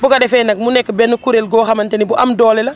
bu ko defee nag mu nekk benn kuréel goo xamante ne bu am doole la